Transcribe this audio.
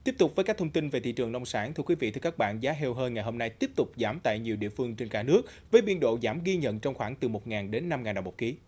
tiếp tục với các thông tin về thị trường nông sản thưa quý vị thưa các bạn giá heo hơi hôm nay tiếp tục giảm tại nhiều địa phương trên cả nước với biên độ giảm ghi nhận trong khoảng từ một ngàn đến năm ngàn đồng một kí